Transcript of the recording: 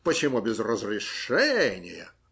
Почему без разрешения?